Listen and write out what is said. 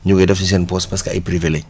ñu koy def si seen poche parce que ay privé lañ